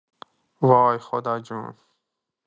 وای خدا جون!